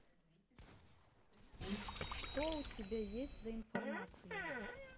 что у тебя есть за информация